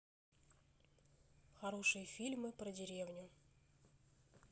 хорошие фильмы про деревню